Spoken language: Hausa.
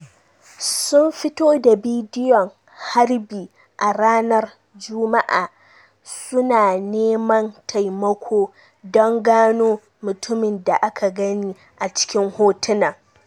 Sun fito da bidiyon harbi a ranar Juma'a, su na neman taimako don gano mutumin da aka gani a cikin hotunan.